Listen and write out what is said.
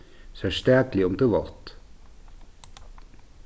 serstakliga um tað er vátt